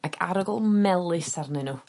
ac arogl melys arnyn n'w.